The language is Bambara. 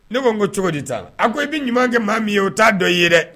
Ne ko n ko cogo di taa a ko i bɛ ɲuman kɛ maa min ye o t'a dɔ i ye dɛ